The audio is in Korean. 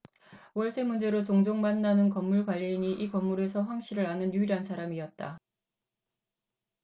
월세 문제로 종종 만나는 건물 관리인이 이 건물에서 황씨를 아는 유일한 사람이었다